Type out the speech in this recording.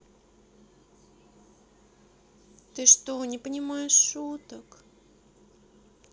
ты что не понимаешь шуток